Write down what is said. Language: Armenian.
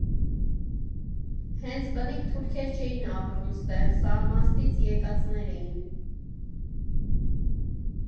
Հենց բնիկ թուրքեր չէին ապրում ստեղ, Սալմաստից եկածներ էին։